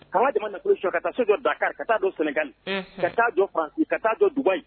Ka jamana kulu su ka taa so jɔ dakari ka taa don sɛnɛkani ka taa jɔ fa ka' jɔ dug